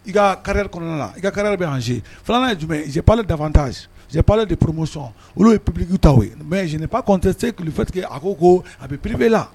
I ka kari kɔnɔna i ka bɛ anse filanan' ye jumɛneple dafantaeple de poromosɔn olu ye ppiereki ta yep kɔn tɛ selifetigi a ko ko a bɛpierebee la